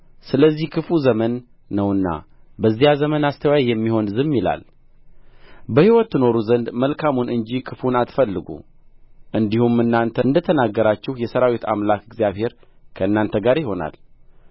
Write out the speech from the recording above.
ስለዚህ ክፉ ዘመን ነውና በዚያ ዘመን አስተዋይ የሚሆን ዝም ይላል በሕይወት ትኖሩ ዘንድ መልካሙን እንጂ ክፉውን አትፈልጉ እንዲህም እናንተ እንደ ተናገራችሁ የሠራዊት አምላክ እግዚአብሔር ከእናንተ ጋር ይሆናል